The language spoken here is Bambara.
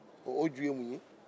ɔɔ o ju ye mun ye